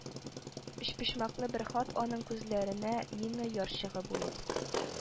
Өчпочмаклы бер хат аның күзләренә мина ярчыгы булып